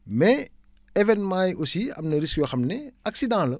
mais événement yi aussi am na risque yoo xam ne accident la